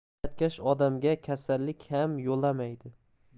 mehnatkash odamga kasallik ham yo'lamaydi